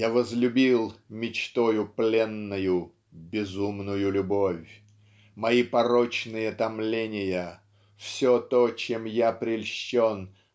Я возлюбил мечтою пленною Безумную любовь. Мои порочные томления Все то чем я прельщен